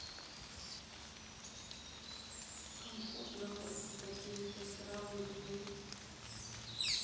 компот находит какие то страны дверь